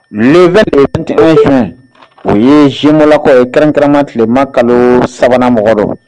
2 tile fɛ o ye simalakɔ ye kɛrɛnkɛma tilema kalo sabanan mɔgɔ don